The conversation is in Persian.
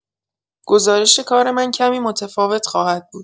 گزارش کار من کمی متفاوت خواهد بود.